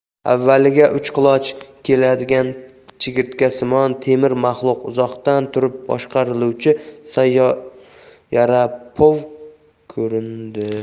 avvaliga uch quloch keladigan chigirtkasimon temir maxluq uzoqdan turib boshqariluvchi sayyorapoy ko'rindi